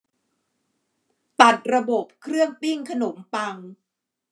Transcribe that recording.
ตัดระบบเครื่องปิ้งขนมปัง